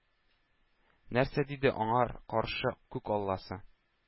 Нәрсә диде аңар каршы күк алласы?